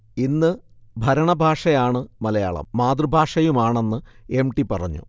ഇന്ന് ഭരണഭാഷയാണ് മലയാളം, മാതൃഭാഷയുമാണെന്ന് എം. ടി പറഞ്ഞു